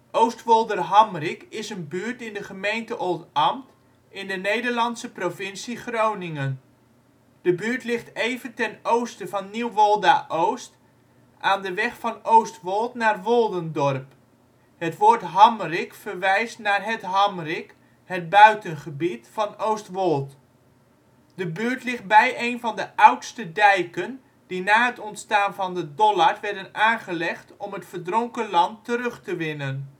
Oostwolderhamrik is een buurt in de gemeente Oldambt in de Nederlandse provincie Groningen. De buurt ligt even ten oosten van Nieuwolda-Oost aan de weg van Oostwold naar Woldendorp. Het woord - hamrik verwijst naar het hamrik, het buitengebied, van Oostwold. De buurt ligt bij een van de oudste dijken die na het ontstaan van de Dollard werden aangelegd om het verdronken land terug te winnen